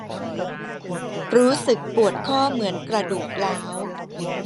รู้สึกปวดข้อเหมือนกระดูกร้าว